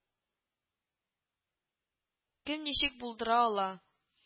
Кем ничек булдыра ала